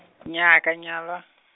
nnyaa a ke a nyalwa.